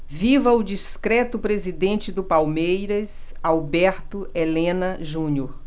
viva o discreto presidente do palmeiras alberto helena junior